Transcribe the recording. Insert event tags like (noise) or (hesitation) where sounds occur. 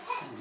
(hesitation) (hesitation)